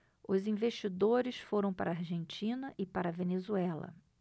os investidores foram para a argentina e para a venezuela